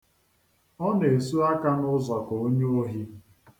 Ọ na-esu aka n'ụzọ ka onye ohi.